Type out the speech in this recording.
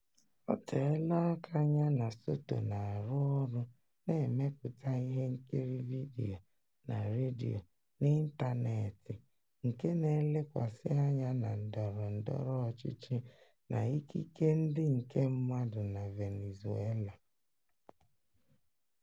O teela aka ya na Soto na-arụ ọrụ na-emepụta ihe nkiri vidio na redio n'ịntaneetị nke na-elekwasị anya na ndọrọ ndọrọ ọchịchị na ikike ndị nke mmadụ na Venezuela.